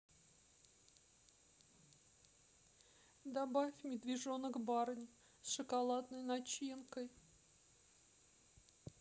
добавь медвежонок барни с шоколадной начинкой